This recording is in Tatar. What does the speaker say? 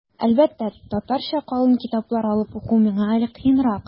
Әлбәттә, татарча калын китаплар алып уку миңа әле кыенрак.